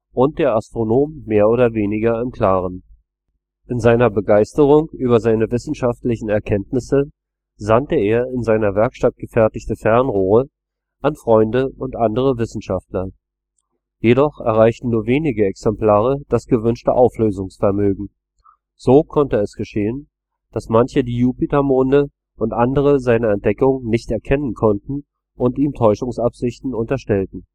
und der Astronom mehr oder weniger im Klaren. In seiner Begeisterung über seine wissenschaftlichen Erkenntnisse sandte er in seiner Werkstatt gefertigte Fernrohre an Freunde und andere Wissenschaftler. Jedoch erreichten nur wenige Exemplare das gewünschte Auflösungsvermögen. So konnte es geschehen, dass manche die Jupitermonde und andere seiner Entdeckungen nicht erkennen konnten und ihm Täuschungsabsichten unterstellten